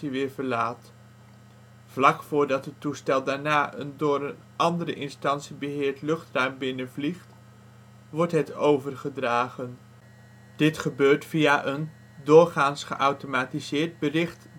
weer verlaat. Vlak voordat het toestel daarna een door een andere instantie beheerd luchtruim binnenvliegt, wordt het " overgedragen ". Dit gebeurt via een - doorgaans geautomatiseerd - bericht